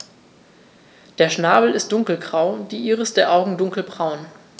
Der Schnabel ist dunkelgrau, die Iris der Augen dunkelbraun.